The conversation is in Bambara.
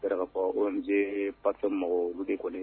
Se fɔ ko bato mɔgɔw olu de kɔni